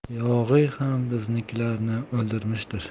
yog'iy ham biznikilarni o'ldirmishdir